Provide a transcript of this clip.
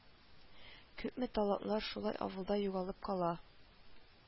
Күпме талантлар шулай авылда югалып кала